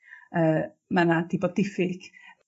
Yy ma' 'na 'di bod diffyg